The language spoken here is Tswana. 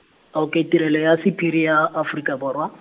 okay, Tirelo ya Sephiri ya, Afrika Borwa.